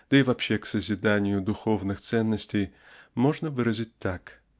да и вообще к созиданию духовных ценностей можно выразить так